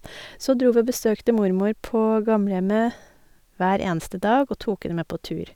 Så dro vi og besøkte mormor på gamlehjemmet hver eneste dag og tok henne med på tur.